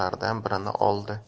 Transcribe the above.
qoplardan birini oldi